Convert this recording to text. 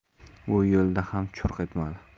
u yo'lda ham churq etmadi